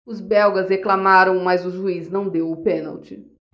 os belgas reclamaram mas o juiz não deu o pênalti